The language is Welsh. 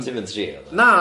Ti'm yn tri nagw-?